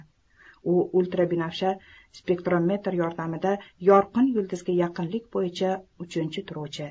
u ultrabinafsha spektrometr yordamida yorqin yulduzga yaqinlik bo'yicha uchinchi turuvchi